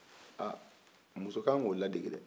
aa muso ka kan k'o ladege dɛɛ